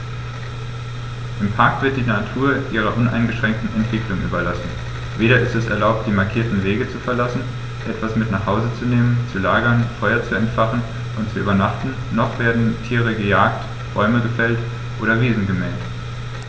Im Park wird die Natur ihrer uneingeschränkten Entwicklung überlassen; weder ist es erlaubt, die markierten Wege zu verlassen, etwas mit nach Hause zu nehmen, zu lagern, Feuer zu entfachen und zu übernachten, noch werden Tiere gejagt, Bäume gefällt oder Wiesen gemäht.